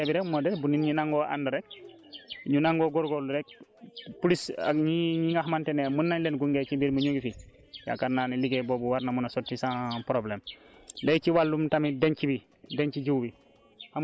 te pourquoi pas fii si Thiel donc mun na nekk fii donc volonté bi rek moo des bu nit ñi ngangoo ànd rek ñu nangoo góorgóorlu rek plus ak ñiy ñi nga xamante ne mun nañ leen gunge ci mbir mi ñu ngi fi yaakaar naa ne liggéey boobu war na mën a sotti sans problème